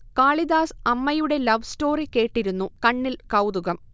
കാളിദാസ് അമ്മയുടെ love story കേട്ടിരുന്നു കണ്ണിൽ കൗതുകം